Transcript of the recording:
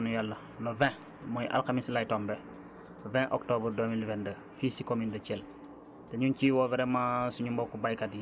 ñu ngi ko fas yéene def insaa àllaahu rabbi ci kàttanu Yàlla le vingt mooy alxames lay tombeel le vingt octobre deux mille vingt deux fii si commune de Thiel